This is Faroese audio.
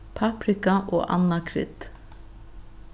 paprika og annað krydd